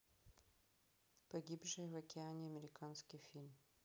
погибшие в океане американский фильм